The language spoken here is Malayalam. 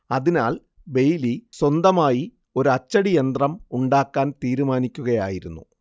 അതിനാൽ ബെയ്ലി സ്വന്തമായി ഒരു അച്ചടിയന്ത്രം ഉണ്ടാക്കാൻ തീരുമാനിക്കുകയായിരുന്നു